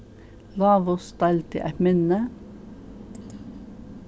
lávus deildi eitt minni